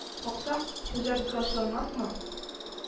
Каксак, хуҗа безгә ачуланмасмы